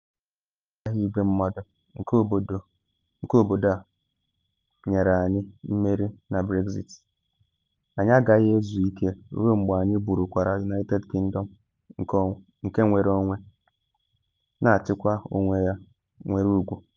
‘Anyị na ezukọta ndị agha igwe mmadụ nke obodo a nyere anyị mmeri na Brexit, anyị agaghị ezu ike ruo mgbe anyị bụrụkwara United Kingdom nke nnwere onwe, na achịkwa onwe ya, nwere ugwu.’